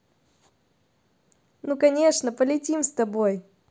ну конечно полетим с тобой